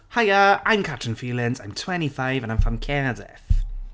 Hiya I'm Catrin Feelings I'm twenty five and I'm from Cardiff.